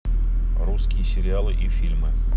русские сериалы и фильмы